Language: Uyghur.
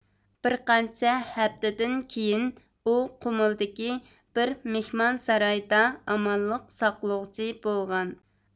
بىر قانچە ھەپتىدىن كېيىن ئۇ قۇمۇلدىكى بىر مىھمانسارايدا ئامانلىق ساقلىغۇچى بولغان